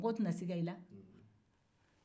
mɔgɔw ɛna siga i la